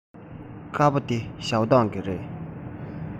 དཀར པོ འདི ཞའོ ཏོན གྱི རེད